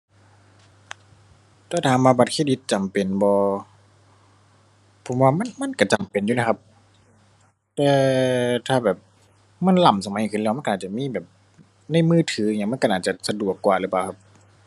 ถ้าถามว่าบัตรเครดิตจำเป็นบ่ ผมว่ามัน มันก็จำเป็นอยู่นะครับ แต่ถ้าแบบมันล้ำสมัยขึ้นแล้ว มันก็น่าจะมีแบบ ในมือถือหยังมันก็น่าจะสะดวกกว่าหรือเปล่าครับ